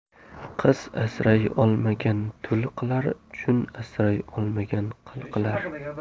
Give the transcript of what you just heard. qiz asray olmagan tul qilar jun asray olmagan qil qilar